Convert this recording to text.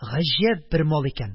Гаҗәп бер мал икән: